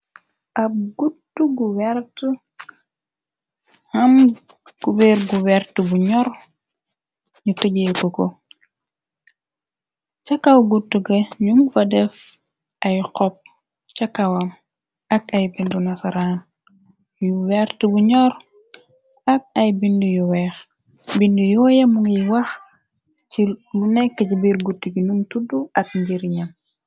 Ab gutt gu wert, ham gu ber gu wert bu ñor, ñu tëjee ko ko, cakaw gut ga ñum fa def ay xob cakawam ak ay bindu nasaraan yu wert bu ñor, ak ay bind yu weex, bind yooya mungiy wax ci lu nekk, ci biir gut gi num tudd ak njër ñam.